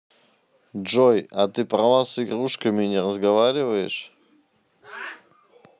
джой а ты права с игрушками не разговариваешь